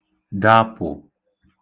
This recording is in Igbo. dāpụ̀